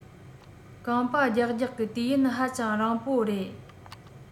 རྐང པ རྒྱག རྒྱག གི དུས ཡུན ཧ ཅང རིང པོ རེད